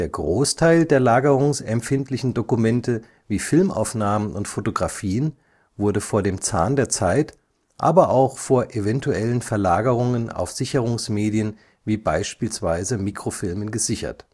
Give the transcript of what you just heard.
Großteil der lagerungsempfindlichen Dokumente wie Filmaufnahmen und Fotografien wurde vor dem Zahn der Zeit, aber auch vor eventuellen Verlagerungen auf Sicherungsmedien wie beispielsweise Mikrofilmen gesichert